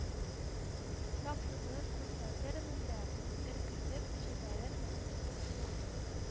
Саксызлык күрсәтермен дә өркетеп җибәрермен төсле тоелды